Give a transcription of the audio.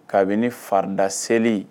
Kabini farida seli